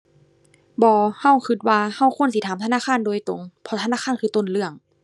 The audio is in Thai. บ่ เราเราว่าเราควรสิถามธนาคารโดยตรง เพราะธนาคารคือต้นเรื่อง